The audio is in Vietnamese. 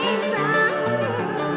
ngời